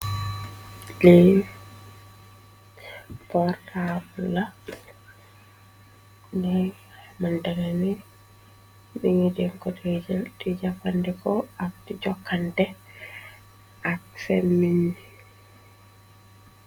le portala nay aman danani bingidenkotejen ti japande ko ab jokkante ak femindi